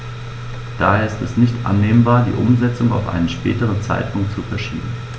Daher ist es nicht annehmbar, die Umsetzung auf einen späteren Zeitpunkt zu verschieben.